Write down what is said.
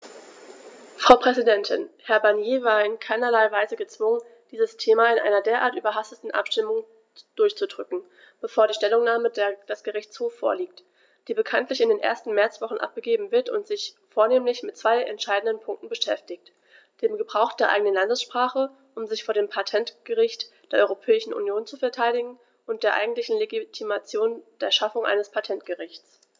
Frau Präsidentin, Herr Barnier war in keinerlei Weise gezwungen, dieses Thema in einer derart überhasteten Abstimmung durchzudrücken, bevor die Stellungnahme des Gerichtshofs vorliegt, die bekanntlich in der ersten Märzwoche abgegeben wird und sich vornehmlich mit zwei entscheidenden Punkten beschäftigt: dem Gebrauch der eigenen Landessprache, um sich vor dem Patentgericht der Europäischen Union zu verteidigen, und der eigentlichen Legitimität der Schaffung eines Patentgerichts.